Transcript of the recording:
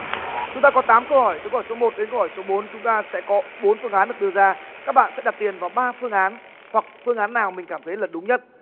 chúng ta có tám câu hỏi từ câu hỏi số một đến câu hỏi số bốn chúng ta sẽ có bốn phương án được đưa ra các bạn sẽ đặt tiền vào ba phương án hoặc phương án nào mình cảm thấy là đúng nhất